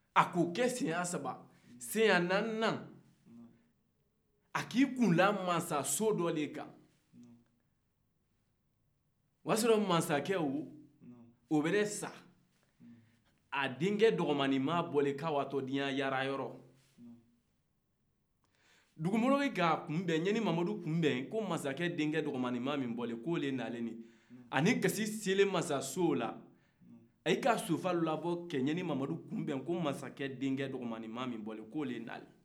a y'o kɛ siyɛn saba siyɛn naninan a y'a kunda mansaso dɔ dɛ kan o y' a sɔrɔ o mansacɛ sara a dencɛ dɔgɔmanima bɔra k'a bɛ ta diɲɛ yala yɔrɔ dugumɔgɔw y'a kun bɛn ɲani mamadu kunbɛn ko mansac ɛ dencɛ dɔgɔmanima mi n bɔra k'o de nalen dɔn ani kasi sera mansaso la u ye sofaw labɔ ka ɲani mamadu kunbɛn ko mamsacɛ dencɛ dɔgɔmaninma min bɔra k'o de nana